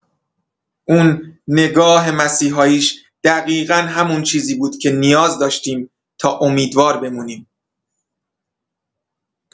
اون نگاه مسیحاییش دقیقا همون چیزی بود که نیاز داشتیم تا امیدوار بمونیم.